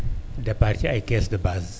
départ ci ay kees de base